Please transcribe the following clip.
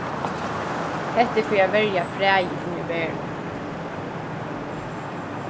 hetta er fyri at verja fræið inni í berinum